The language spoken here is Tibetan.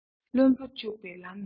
བློན པོ འཇུག པའི ལམ མི འགྲོ